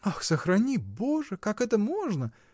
— Ах, сохрани Боже: как это можно!